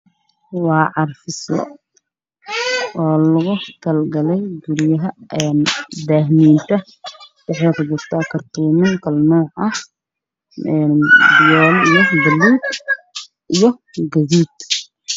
Waa carfiso oo loogu talagalay guryaha daah miinta waxay ku jirtaa kartoon man kaal nuuc ah fiyool iyo baluug iyo gad gaduud.